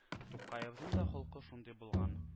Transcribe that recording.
Тукаебызның да холкы шундый булган